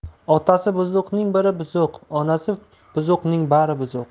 otasi buzuqning biri buzuq onasi buzuqning bari buzuq